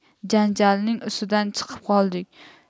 janjalning ustidan chiqib qoldik